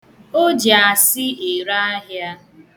O ji asị ere ahịa.